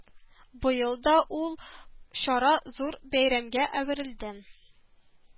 Быел да ул чара зур бәйрәмгә әверелде